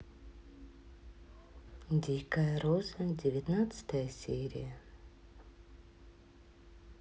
дикая роза девятнадцатая серия